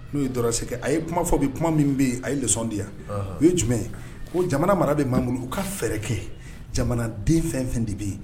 N'o ye Dɔda si ye. A ye kuma fɔ bi, kuma min ye lesson di yan, u ye jumɛn ye? Jamana mara bɛ mɔgɔ min bolo o ka fɛɛrɛ kɛ jamana den fɛn fɛn de bɛ Yen